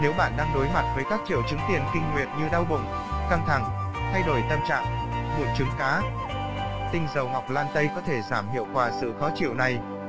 nếu bạn đang đối mặt với các triệu chứng tiền kinh nguyệt như đau bụng căng thẳng thay đổi tâm trạng mụn trứng cá tinh dầu ngọc lan tây có thể giảm hiệu quả sự khó chịu này